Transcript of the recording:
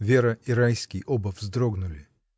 Вера и Райский оба вздрогнули.